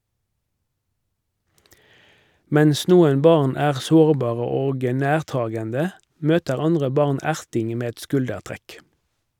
Mens noen barn er sårbare og nærtagende, møter andre barn erting med et skuldertrekk.